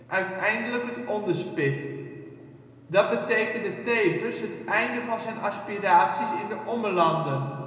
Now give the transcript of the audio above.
uiteindelijk het onderspit. Dat betekende tevens het einde van zijn aspiraties in de Ommelanden